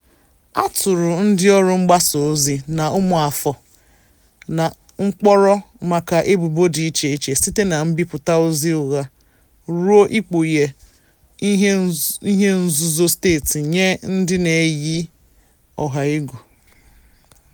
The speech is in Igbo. A tụrụ ndịọrụ mgbasaozi na ụmụafọ na mkpọrọ maka ebubo dị icheiche site na mbipụta "ozi ụgha" ruo ikpughe ihenzuzo steeti nye ndị na-eyi ọha egwu.